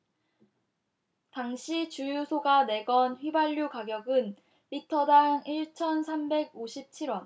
당시 주유소가 내건 휘발유 가격은 리터당 일 천 삼백 오십 칠 원